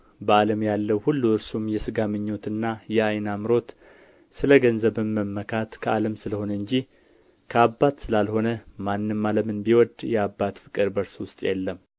በዓለም ያለው ሁሉ እርሱም የሥጋ ምኞትና የዓይን አምሮት ስለ ገንዘብም መመካት ከዓለም ስለ ሆነ እንጂ ከአባት ስላልሆነ ማንም ዓለምን ቢወድ የአባት ፍቅር በእርሱ ውስጥ የለም